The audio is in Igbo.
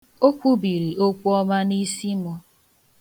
O kwubiri okwu ọma n'isi mụ.